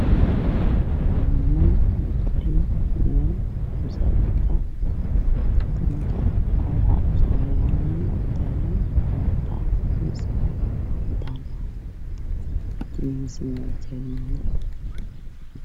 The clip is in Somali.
Waa nin taagan oo hadlaya oo faraha taagtaagayo wuxuuna la hadlayaa dadkani waxa uu wataa shati cadaana jeebkiisa waxaa ku jira qalin-buluga